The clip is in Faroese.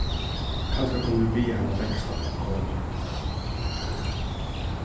kanska kunnu vit biðja hana veksla tá vit koma